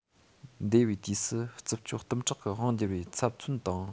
འདས པའི དུས སུ རྩུབ སྤྱོད གཏུམ དྲག གི དབང བསྒྱུར བའི ཚབ མཚོན དང